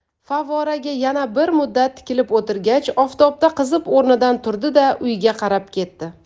favvoraga yana bir muddat tikilib o'tirgach oftobda qizib o'rnidan turdi da uyga qarab ketdi